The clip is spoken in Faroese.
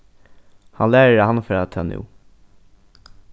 hann lærir at handfara tað nú